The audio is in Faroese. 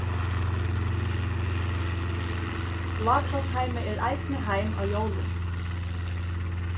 blákrossheimið er eisini heim á jólum